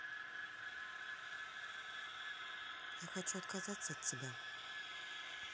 я хочу отказаться от тебя